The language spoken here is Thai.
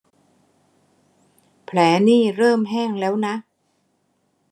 แผลนี่เริ่มแห้งแล้วนะ